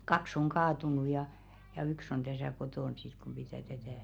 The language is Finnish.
kaksi on kaatunut ja ja yksi on tässä kotona sitten kun pitää tätä